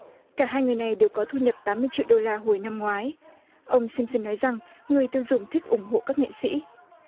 cả hai người này đều có thu nhập tám mươi triệu đô la hồi năm ngoái ông sim sân nói rằng người tiêu dùng thích ủng hộ các nghệ sĩ